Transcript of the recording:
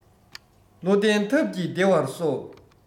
བློ ལྡན ཐབས ཀྱིས བདེ བར གསོ